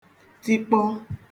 tikpọ